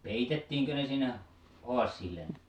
peitettiinkö ne sinne haasialle